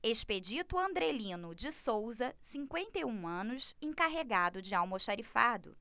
expedito andrelino de souza cinquenta e um anos encarregado de almoxarifado